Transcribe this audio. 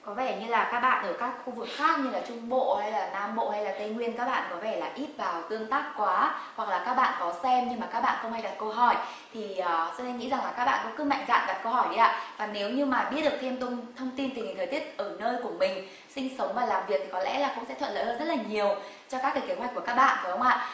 có vẻ như là các bạn ở các khu vực khác như là trung bộ hay là nam bộ hay là tây nguyên các bạn có vẻ là ít vào tương tác quá hoặc là các bạn có xem nhưng mà các bạn không ai đặt câu hỏi thì ờ xuân anh nghĩ rằng là các bạn cứ mạnh dạn đặt câu hỏi đi ạ và nếu như mà biết được thêm thông thông tin tình hình thời tiết ở nơi của mình sinh sống và làm việc thì có lẽ là cũng sẽ thuận lợi hơn rất là nhiều cho các kế hoạch của các bạn phải không ạ